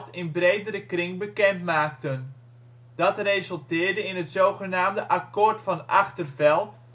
in bredere kring bekend maakten. Dat resulteerde in het zogenaamde Accoord van Achterveld